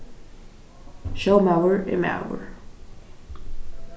sjómaður er maður